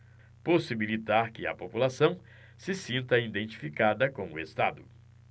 possibilitar que a população se sinta identificada com o estado